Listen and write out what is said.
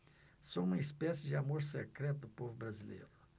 sou uma espécie de amor secreto do povo brasileiro